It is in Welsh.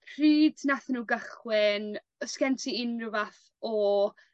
pryd nathon n'w gychwyn o's gen ti unryw fath o